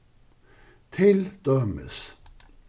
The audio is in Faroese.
til dømis